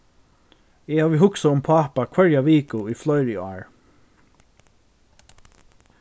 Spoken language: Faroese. eg havi hugsað um pápa hvørja viku í fleiri ár